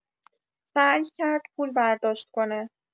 سعی کرد پول برداشت کنه.